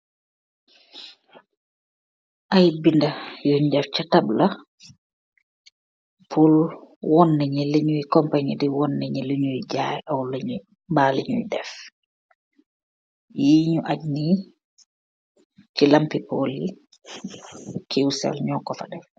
Ay binda yuñ def si kiw tabla, pur won ñit ñi koompani bi di won ñit ñi luñuy jaay ooh, mbaa liñuy def. Yii ñu aj ni ci lampi pool yi, kiwsel ñoo ko fa def.